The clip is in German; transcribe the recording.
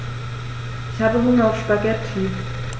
Ich habe Hunger auf Spaghetti.